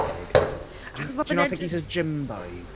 Teg... Achos ma' fe'n ed-... D'you... do you not think he's a gym boy?